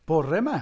Bore 'ma?